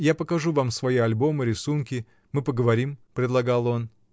Я покажу вам свои альбомы, рисунки. мы поговорим. — предлагал он.